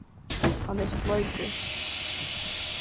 hann er so bleikur